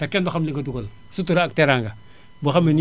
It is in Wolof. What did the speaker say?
te kenn du xam li nga dugal sutura ak teranga boo xam ne nii